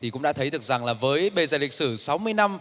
thì cũng đã thấy được rằng là với bề dày lịch sử sáu mươi năm